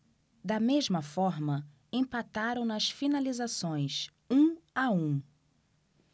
da mesma forma empataram nas finalizações um a um